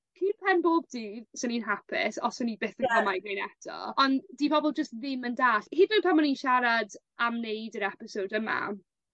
cur pen bob dydd swn i'n hapus os o'n i byth yn ca'l migraine eto on' 'di pobol jyst ddim yn d'allt hyd yn oed pan o'n i'n siarad am neud yr episod yma,